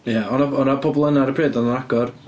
Ia, oedd 'na oedd 'na bobl yna ar y pryd, oedd o'n agor?